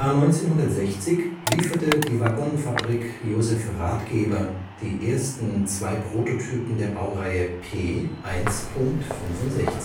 1960 lieferte die Waggonfabrik Josef Rathgeber die ersten zwei Prototypen der Baureihe P 1.65